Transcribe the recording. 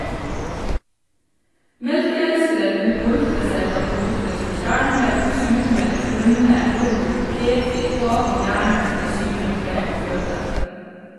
Melkeelskere kunne boltre seg blant produkter som kjernemelk, surmelk, rømme, yoghurt, kefir og annen gjærnet eller syrnet melk og fløte.